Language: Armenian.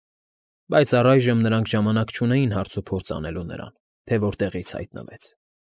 Բայց առայժմ նրանք ժամանակ չունեին հարցուփորձ անելու նրան, թե որտեղից հայտնվեց։